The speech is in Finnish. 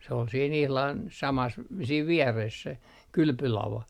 se oli siinä ihan samassa siinä vieressä se kylpylava